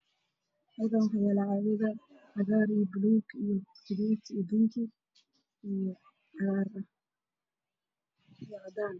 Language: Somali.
Waxaa ii muuqda caadado oo ku jiraan filinjir oo ka kooban cagaar iyo guduud